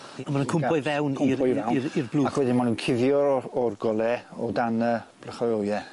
A ma' nw'n cwmpo i fewn... Cwmpo i fewn. ...i i i'r blwch. Ac wedyn ma' nw'n cuddio o'r gole o dan y